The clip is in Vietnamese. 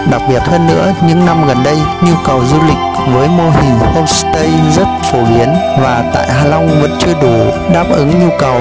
đặc biệt hơn nữa những năm gần đây nhu cầu du lịch với mô hình homestay rất phổ biến và tại hạ long vẫn chưa có đủ đáp ứng nhu cầu